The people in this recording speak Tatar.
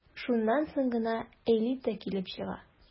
Шуннан соң гына «элита» килеп чыга...